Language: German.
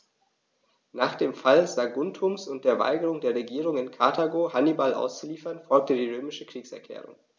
Nach dem Fall Saguntums und der Weigerung der Regierung in Karthago, Hannibal auszuliefern, folgte die römische Kriegserklärung.